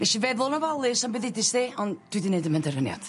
Nesh i feddwl yn ofalus am be' ddudust di ond dwi di neud ym mhenderfyniad.